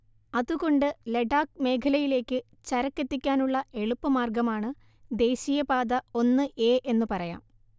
അതുകൊണ്ട് ലഡാക് മേഖലയിലേക്ക് ചരക്കെത്തിക്കാനുള്ള എളുപ്പമാർഗ്ഗമാണ് ദേശീയ പാത ഒന്ന് എ എന്നു പറയാം